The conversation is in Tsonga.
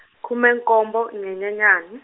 khume nkombo Nyenyenyani.